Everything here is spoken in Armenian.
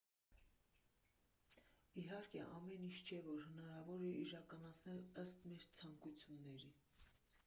Իհարկե, ամեն ինչ չէ, որ հնարավոր էր իրականացնել ըստ մեր ցանկությունների։